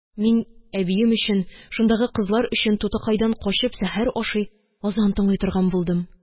Мин әбием өчен, шундагы кызлар өчен тутакайдан качып сәхәр ашый, азан тыңлый торган булдым